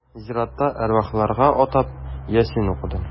Зиратта әрвахларга атап Ясин укыды.